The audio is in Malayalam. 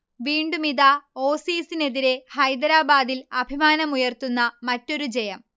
വീണ്ടുമിതാ, ഓസീസിനെതിരെ ഹൈദരാബാദിൽ അഭിമാനമുയർത്തുന്ന മറ്റൊരു ജയം